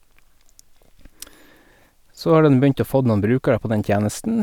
Så har den begynt å fått noen brukere på den tjenesten.